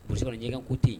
Kuru ɲɛ ko tɛ yen